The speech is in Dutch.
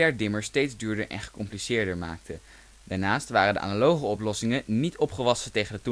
dimmer steeds duurder en gecompliceerder maakte, daarnaast waren de analoge oplossingen niet opgewassen tegen